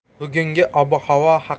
bugungi ob havo